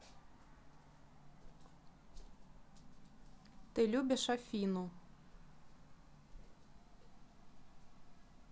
ты любишь афину